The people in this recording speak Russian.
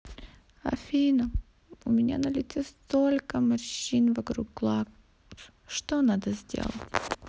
афина у меня на лице столько морщин вокруг глаз что надо сделать